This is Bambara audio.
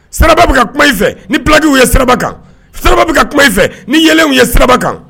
Sira bɛ ka kuma e fɛ ni bilakiw ye sira kan sira bɛ ka kuma e fɛ ni yɛlɛlenw ye sira kan